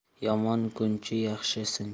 yomon kunchi yaxshi sinchi